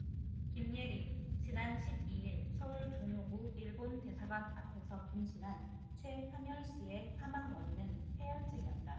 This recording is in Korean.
김예리 지난 십 이 일 서울 종로구 일본대사관 앞에서 분신한 최현열씨의 사망 원인은 패혈증이었다